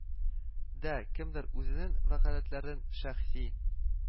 Дә кемдер үзенең вәкаләтләрен шәхси